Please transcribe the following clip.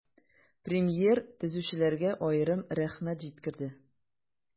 Премьер төзүчеләргә аерым рәхмәт җиткерде.